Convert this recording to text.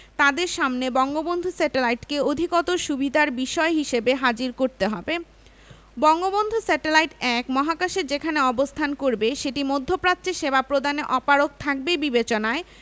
তাদের সামনে বঙ্গবন্ধু স্যাটেলাইটকে অধিকতর সুবিধার বিষয় হিসেবে হাজির করতে হবে বঙ্গবন্ধু স্যাটেলাইট ১ মহাকাশের যেখানে অবস্থান করবে সেটি মধ্যপ্রাচ্যে সেবা প্রদানে অপারগ থাকবে বিবেচনায়